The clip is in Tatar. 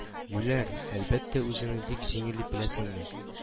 – юләр, әлбәттә үзеңне бик җиңел дип беләсеңме